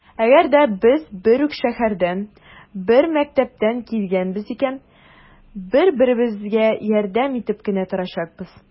Әгәр дә без бер үк шәһәрдән, бер мәктәптән килгәнбез икән, бер-беребезгә ярдәм итеп кенә торачакбыз.